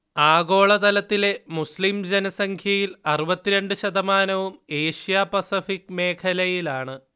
ആഗോളതലത്തിലെ മുസ്ലിം ജനസംഖ്യയിൽ അറുപത്തിരണ്ട് ശതമാനവും ഏഷ്യ-പസഫിക് മേഖലയിലാണ്